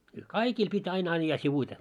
- kaikilla piti aina ajaa sivuiten